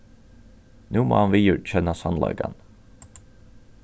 nú má hann viðurkenna sannleikan